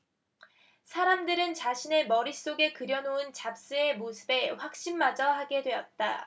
사람들은 자신의 머릿속에 그려놓은 잡스의 모습에 확신마저 하게 되었다